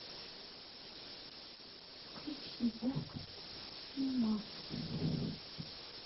включи яркость на максимум